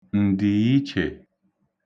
ǹdìichè